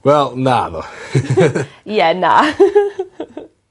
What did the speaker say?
Wel naddo. Ie na.